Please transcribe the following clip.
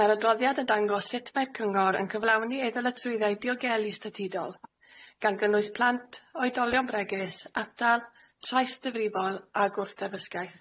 Ma'r adroddiad yn dangos sut mae'r cyngor yn cyflawni ei ddyletswyddau diogelus datidol, gan gynnwys plant, oedolion bregus, atal, trais difrifol, a gwrth-derfysgaeth.